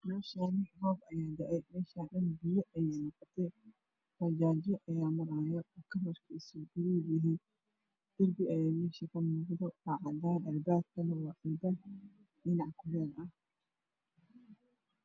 Meshaani roob ayaa da aay meshan dhan biyo ayeey noqotay bajaaj yo ayaa maraya kalrkisu gaduud yahay derbi ayaa meesha ka muuqda oo cadan ah derbi ayaa mesha muuqdo oo cadan albabkana waa albaab nanac kuleel ah